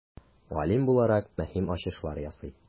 Галим буларак, мөһим ачышлар ясый.